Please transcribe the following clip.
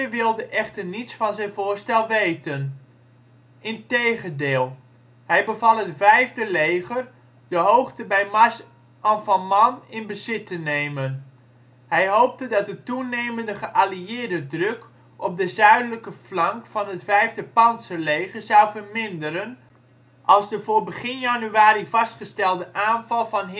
wilde echter niets van zijn voorstel weten. Integendeel, hij beval het 5e leger de hoogte bij Marche-en-Famenne in bezit te nemen. Hij hoopte dat de toenemende geallieerde druk op de zuidelijke flank van het 5e pantserleger zou verminderen, als de voor begin januari vastgestelde aanval van